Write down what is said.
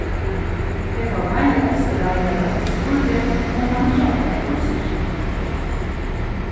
eg fór beinleiðis til reiðaran og spurdi um hann ikki átti eitt grundstykki